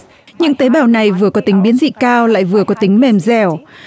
những tế bào này vừa có tính biến dị cao lại vừa có tính mềm dẻo